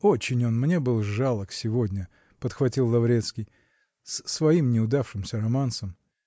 -- Очень он мне был жалок сегодня, -- подхватил Лаврецкий, -- с своим неудавшимся романсом.